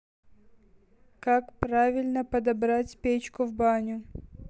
как правильно подобрать печку в баню